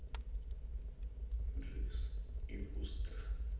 дживс и вустер